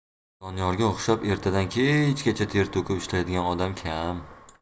doniyorga o'xshab ertadan kechgacha ter to'kib ishlaydigan odam kam